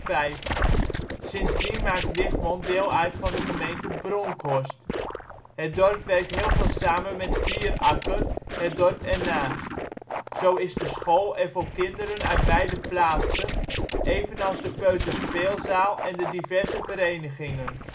2005. Sindsdien maakt Wichmond deel uit van de gemeente Bronckhorst. Het dorp werkt heel veel samen met Vierakker, het dorp ernaast; zo is de school er voor kinderen uit beide plaatsen, evenals de peuterspeelzaal en de diverse verenigingen